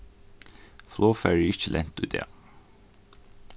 flogfarið er ikki lent í dag